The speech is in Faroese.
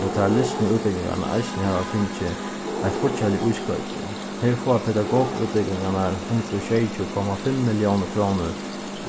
og tær lisnu útbúgvingarnar eisini hava fingið eitt fíggjarlig ískoyti her fáa pedagogútbúgvingarnar hundrað og sjeyogtjúgu komma fimm milliónir krónur